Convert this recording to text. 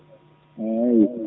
eeyi